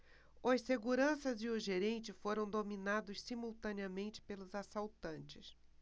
os seguranças e o gerente foram dominados simultaneamente pelos assaltantes